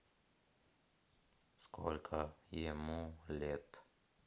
сколько ему лет